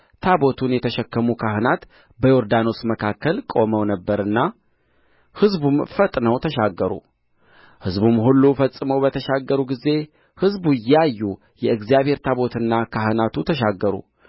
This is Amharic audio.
ታቦቱን የተሸከሙ ካህናት በዮርዳኖስ መካከል ቆመው ነበርና ሕዝቡም ፈጥነው ተሻገሩ ሕዝቡም ሁሉ ፈጽመው በተሻገሩ ጊዜ ሕዝቡ እያዩ የእግዚአብሔር ታቦትና ካህናቱ ተሻገሩ